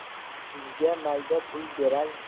sizga mayda pul beraymi